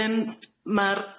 Yym ma'r